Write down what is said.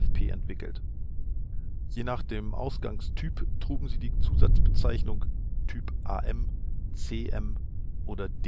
MFP entwickelt. Je nach dem Ausgangstyp trugen sie die Zusatzbezeichnung „ Typ AM “,„ CM “oder